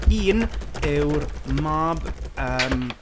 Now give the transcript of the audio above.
Un, yw'r, mab, yym...